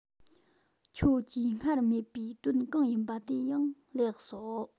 ཁྱོད ཀྱིས སྔར སྨྲས པའི དོན གང ཡིན པ དེ ཡང ལེགས སོ